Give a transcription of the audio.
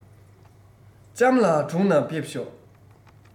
ལྕམ ལགས གྲུང ན ཕེབས ཤོག